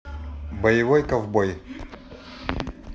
боевой ковбой